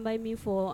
An b ba ye min fɔ